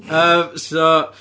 yym, so...